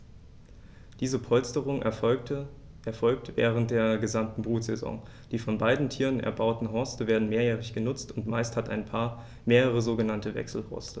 Diese Polsterung erfolgt während der gesamten Brutsaison. Die von beiden Tieren erbauten Horste werden mehrjährig benutzt, und meist hat ein Paar mehrere sogenannte Wechselhorste.